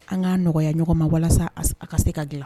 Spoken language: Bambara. An ka nɔgɔya ɲɔgɔn ma walasa a ka se ka dilan